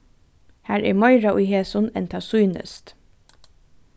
har er meira í hesum enn tað sýnist